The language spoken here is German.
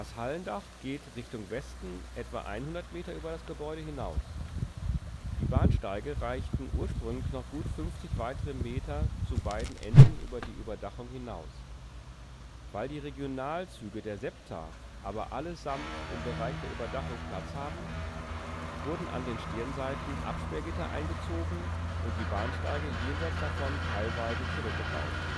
Hallendach geht Richtung Westen etwa 100 Meter über das Gebäude hinaus. Die Bahnsteige reichten ursprünglich noch gut 50 weitere Meter zu beiden Enden über die Überdachung hinaus. Weil die Regionalzüge der SEPTA aber allesamt im Bereich der Überdachung Platz haben, wurden an den Stirnseiten Absperrgitter eingezogen und die Bahnsteige jenseits davon teilweise zurückgebaut